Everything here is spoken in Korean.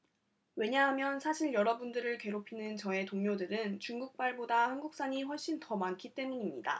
왜냐하면 사실 여러분들을 괴롭히는 저의 동료들은 중국발보다 한국산이 훨씬 더 많기 때문입니다